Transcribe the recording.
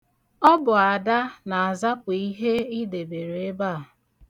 Ọ bụ Ada na-azapụ ihe ị debere ebe a.